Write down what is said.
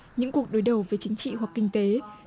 những cuộc đối đầu với chính trị hoặc kinh tế